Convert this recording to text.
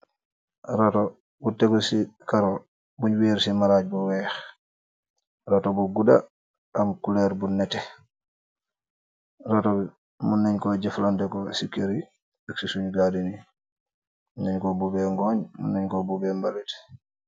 Raato bu tegu si karro bung were si marag bu weex raato bu guda aam culor bu neeteh raato bi mun neng ko jefelandeko si keur yi ak si soon gaaden yi mun neng ko bubeh ngoh mung neng ko bobeh balete.